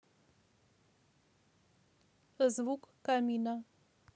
звук камина